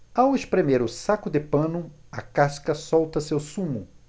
ao espremer o saco de pano a casca solta seu sumo